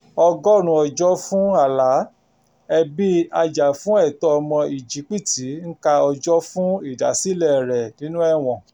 100 ọjọ́ fún Alaa: Ẹbí ajàfúnẹ̀tọ́ ọmọ Íjípìtì ń ka ọjọ́ fún ìdásílẹ̀ẹ rẹ̀ nínú ẹ̀wọ̀n